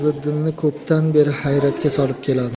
fazliddinni ko'pdan beri hayratga solib keladi